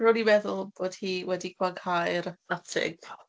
Ro'n i'n meddwl bod hi wedi gwaghau'r attig.